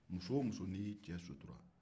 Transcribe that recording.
muso wo muso n'i y'i cɛ sutura